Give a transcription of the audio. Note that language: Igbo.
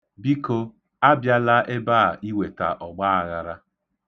Biko, abịala ebe a iweta ọgbaaghara.